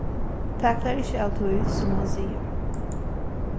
tak tær ikki av tí sum hann sigur